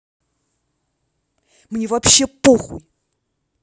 мне вобще похуй